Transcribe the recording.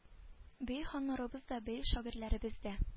Бөек ханнарыбыз да бөек шагыйрьләребез дә